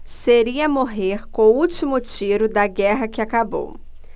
seria morrer com o último tiro da guerra que acabou